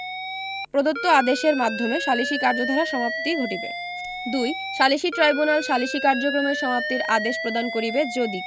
প্রদত্ত আদেশের মাধ্যমে সালিসী কার্যধারার সমাপ্তি ঘটিবে ২ সালিসী ট্রাইব্যুনাল সালিসী কার্যক্রমের সমাপ্তির আদেশ প্রদান করিবে যদি